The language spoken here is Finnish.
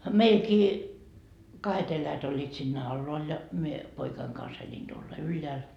meilläkin kahdet eläjät olivat siinä alhaalla ja minä poikani kanssa elin tuolla ylhäällä